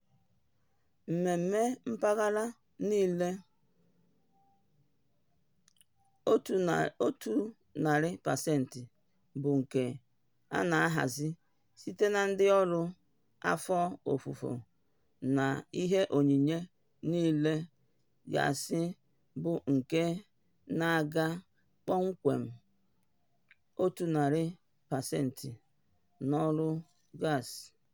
Mmemme mpaghara niile 100% bụ nke a na-ahazi site na ndị ọrụ afọ ofufo na ihe onyinye niile gasị bụ nke na-aga kpọmkwem 100% n'ọrụ gasị.